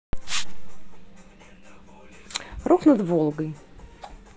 рок над волгой